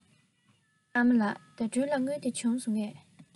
ཨ མ ལགས ཟླ སྒྲོན ལ དངུལ དེ བྱུང སོང ངས